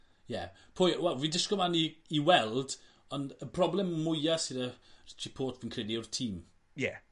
Ie. Pwy... Wel fi disgwl mlan i i weld ond y problem mwya sy 'da Ritchie Port fi'n credu yw't tîm. Ie.